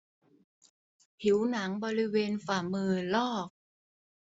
ผิวหนังบริเวณฝ่ามือลอก